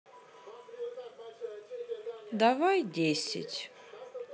давай десять